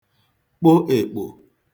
kpo èkpò